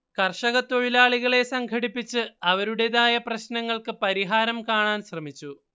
കർഷകതൊഴിലാളികളെ സംഘടിപ്പിച്ച് അവരുടേതായ പ്രശ്നങ്ങൾക്ക് പരിഹാരം കാണാൻ ശ്രമിച്ചു